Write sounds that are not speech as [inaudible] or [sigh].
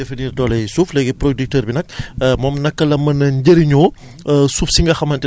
waa léegi li nga wax ni ley définir dooley suuf léegi producteur bi nag [breath] moom naka la mën a njëriñoo